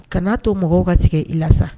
Kana to mɔgɔw ka tigɛ i la sa.